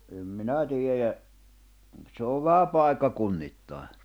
no en minä tiedä se on vähän paikkakunnittain